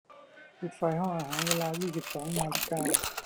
ปิดไฟห้องอาหารเวลายี่สิบสองนาฬิกา